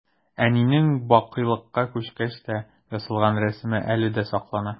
Әнинең бакыйлыкка күчкәч тә ясалган рәсеме әле дә саклана.